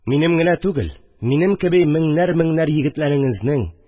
Минем генә түгел, минем кеби меңнәр-меңнәр егетләреңезнең